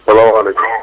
salaamaaleykum